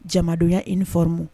Jamadoya uni forme